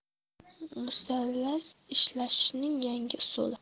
musallas ishlashning yangi usuli